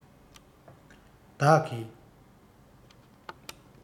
བདག གིས